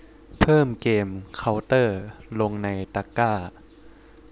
เพิ่มเกมเค้าเตอร์ลงในตะกร้า